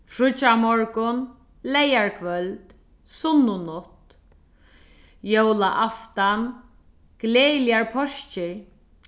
fríggjamorgun leygarkvøld sunnunátt jólaaftan gleðiligar páskir